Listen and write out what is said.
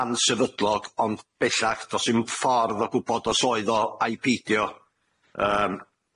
ansefydlog ond bellach do's dim ffordd o gwbod os oedd o a'i peidio yym